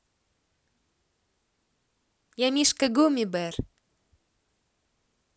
я мишка гумми бер